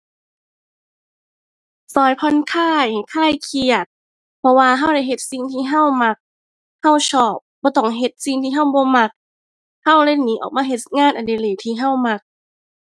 ช่วยผ่อนคลาย ให้คลายเครียด เพราะว่าช่วยได้เฮ็ดสิ่งที่ช่วยมัก ช่วยชอบ บ่ต้องเฮ็ดสิ่งที่ช่วยบ่มัก ช่วยเลยหนีออกมาเฮ็ดงานอดิเรกที่ช่วยมัก